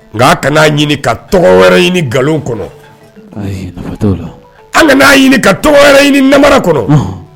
Nka a' kana ɲini ka tɔgɔ wɛrɛ ɲini nkalon kɔnɔ lahi nafa t'o la an kana ɲini ka tɔgɔ wɛrɛ ɲini namara kɔnɔ ɔnh